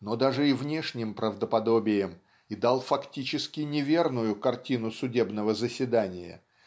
но даже и внешним правдоподобием и дал фактически неверную картину судебного заседания.